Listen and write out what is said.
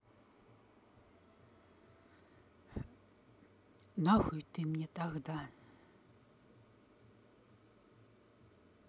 нахуй ты мне тогда